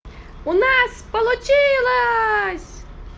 у нас получилось